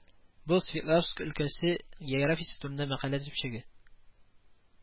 Бу Свердловск өлкәсе географиясе турында мәкалә төпчеге